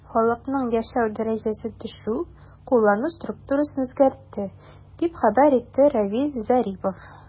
Халыкның яшәү дәрәҗәсе төшү куллану структурасын үзгәртте, дип хәбәр итте Равиль Зарипов.